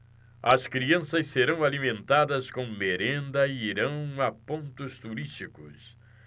as crianças serão alimentadas com merenda e irão a pontos turísticos